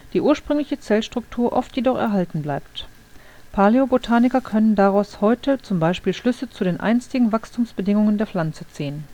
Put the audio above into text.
die ursprüngliche Zellstruktur oft jedoch erhalten bleibt. Paläobotaniker können daraus heute zum Beispiel Schlüsse zu den einstigen Wachstumsbedingungen der Pflanze ziehen